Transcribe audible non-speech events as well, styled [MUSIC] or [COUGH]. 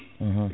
[HESITATION] [HESITATION]